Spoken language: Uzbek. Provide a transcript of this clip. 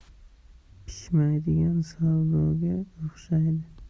pishmaydigan savdoga o'xshaydi